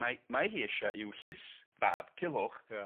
...mae mae hi isie i'w llys fab Culhwch... Ia.